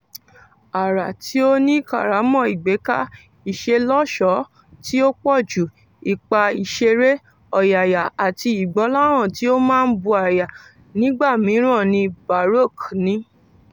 "Àrà tí ó ní kàrámọ̀ ìgbéká, ìṣelọ́ṣọ̀ọ́ tí ó pọ̀jù, ipa ìṣèré, ọ̀yàyà àti ìgbọ́láhàn tí ó máa ń bùáyà nígbà mìíràn ni Baroque ní".